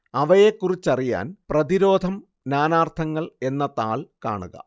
അവയെക്കുറിച്ചറിയാന്‍ പ്രതിരോധം നാനാര്‍ത്ഥങ്ങള്‍ എന്ന താള്‍ കാണുക